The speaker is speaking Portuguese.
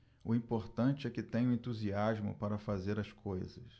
o importante é que tenho entusiasmo para fazer as coisas